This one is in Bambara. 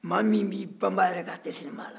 maa min b'i bama a yɛrɛ kan a tɛ siri maa na